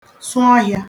sụ ọhịa